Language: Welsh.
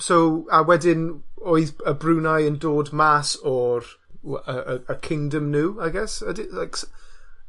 So, a wedyn oedd yy Brunei yn dod mas o'r wy- y y y kingdom nw I guess. Ydi like s-